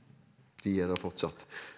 de er der fortsatt.